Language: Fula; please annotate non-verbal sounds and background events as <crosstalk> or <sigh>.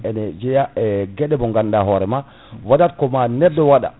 ene jeeya e gueɗɗe mo ganduɗa hoorema <breath> waɗat ko ma neɗɗo waɗa